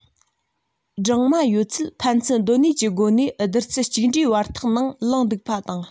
སྦྲང མ ཡོད ཚད ཕན ཚུན གདོད ནུས ཀྱི སྒོ ནས བསྡུར ཚད གཅིག འདྲའི བར ཐག ནང ལངས འདུག པ དང